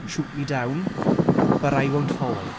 Shoot me down, but I won't fall.